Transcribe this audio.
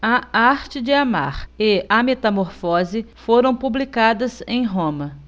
a arte de amar e a metamorfose foram publicadas em roma